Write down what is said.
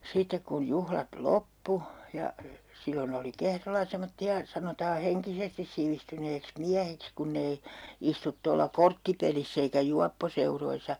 sitten kun juhlat loppui ja silloin oli Kehrolla semmoisia sanotaan henkisesti sivistyneeksi miehiksi kun ei istu tuolla korttipelissä eikä juopposeuroissa